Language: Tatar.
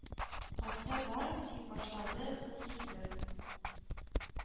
Касы бар, дип башлады ул сүзен